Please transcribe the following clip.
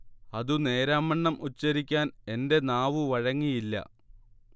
അതു നേരാംവണ്ണം ഉച്ചരിക്കാൻ എൻെറ നാവു വഴങ്ങിയില്ല